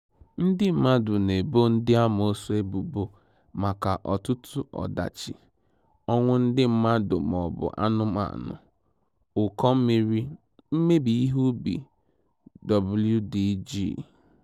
Ndị mmadụ na-ebo ndị amoosu ebubo maka ọtụtụ ọdachi: ọnwụ ndị mmadụ mọọbụ anụmanụ, ụkọ mmiri, mmebi ihe ubi, wdg.